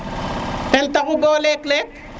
ten taxu bo lek lek